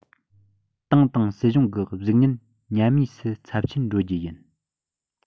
ཏང དང སྲིད གཞུང གི གཟུགས བརྙན ཉམས དམས སུ ཚབས ཆེན འགྲོ རྒྱུ ཡིན